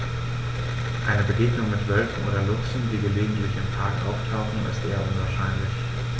Eine Begegnung mit Wölfen oder Luchsen, die gelegentlich im Park auftauchen, ist eher unwahrscheinlich.